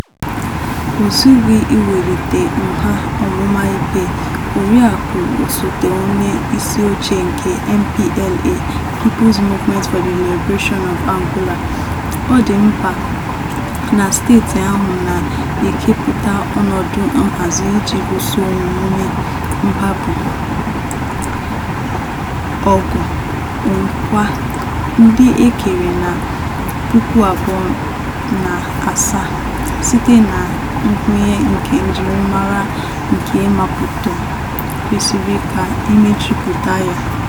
O zughị iwelite nha ọmụma ikpe, Oriakụ osote onye isi oche nke MPLA [People's Movement for the Liberation of Angola], ọ dị mkpa na steeti ahụ na-ekepụta ọnọdụ nhazi iji luso omume mkpagbu ọgụ - nkwa ndị e kwere na 2007 site na nkwenye nke njirimara nke Maputo kwesịrị ka emejupụta ya.